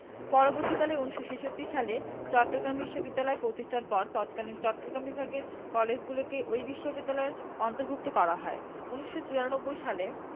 পরবর্তীকালে ১৯৬৬ সালে চট্টগ্রাম বিশ্ববিদ্যালয় প্রতিষ্ঠার পর তৎকালীন চট্টগ্রাম বিভাগের কলেজগুলিকে ওই বিশ্ববিদ্যালয়ের অন্তর্ভুক্ত করা হয় ১৯৯৪ সালে